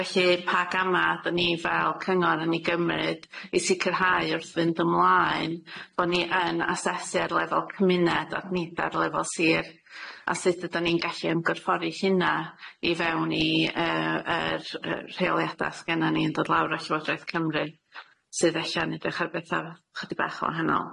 Felly pa gama' da ni fel cyngor yn ei gymryd i sicrhau wrth fynd ymlaen bo' ni yn asesu ar lefel cymuned ac nid ar lefel Sir, a sud ydan ni'n gallu ymgorffori hynna i fewn i yy yr yy rheoliadaeth gennon ni yn dod lawr o Llywodraeth Cymru sydd ella'n edrych ar betha chydig bach wahanol.